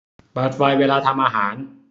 เปิดไฟเวลาทำอาหาร